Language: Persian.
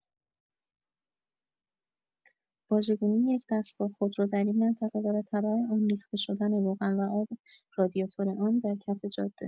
واژگونی یک دستگاه خودرو در این منطقه و به‌تبع آن ریخته شدن روغن و آب رادیاتور آن در کف جاده